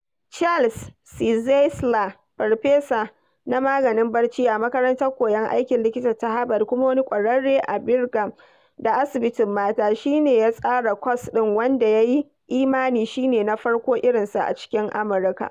Charles Czeisler, farfesa na maganin barci a Makarantar Koyon Aikin Likita ta Harvard kuma wani ƙwararre a Brigham da Asibitin Mata, shi ne ya tsara kwas din, wanda ya yi imani shi ne na farko irinsa a cikin Amurka.